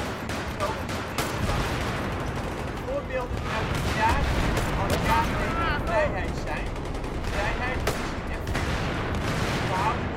filosofische inslag. Voorbeelden uit het jaar met als jaarthema vrijheid zijn: " Vrijheid, visie en fictie " gehouden